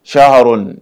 Saharin